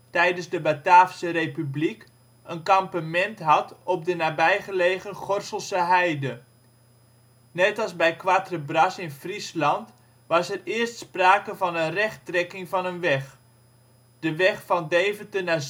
tijdens de Bataafse Republiek) een kampement had op de nabijgelegen Gorsselse Heide. Net als bij Quatrebras in Friesland was er eerst sprake van een rechttrekking van een weg. De weg van Deventer naar